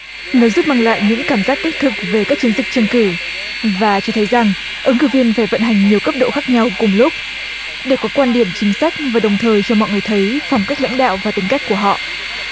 nó giúp mang lại những cảm giác thiết thực về các chiến dịch tranh cử và cho thấy rằng ứng cử viên về vận hành nhiều cấp độ khác nhau cùng lúc để có quan điểm chính sách và đồng thời cho mọi người thấy phong cách lãnh đạo và tính cách của họ